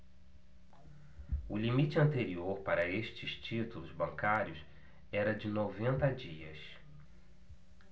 o limite anterior para estes títulos bancários era de noventa dias